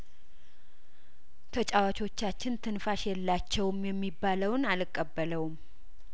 ተጫዋቾቻችን ትንፋሽ የላቸውም የሚባለውን አልቀበለውም